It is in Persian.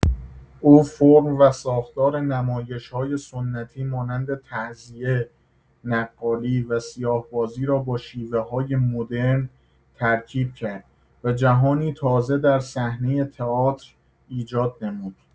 او فرم و ساختار نمایش‌های سنتی مانند تعزیه، نقالی و سیاه‌بازی را با شیوه‌های مدرن ترکیب کرد و جهانی تازه در صحنه تئاتر ایجاد نمود.